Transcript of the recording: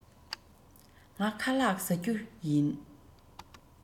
ང ཁ ལགས བཟའ རྒྱུ ཡིན